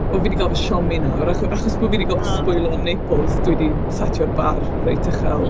Wel fi 'di gael fy siomi nawr acho- achos bod fi 'di gael... o ...fy spoilio yn Naples dwi di setio'r bar reit uchel.